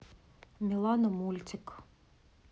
милана мультик